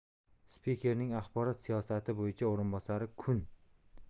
spikerning axborot siyosati bo'yicha o'rinbosari kun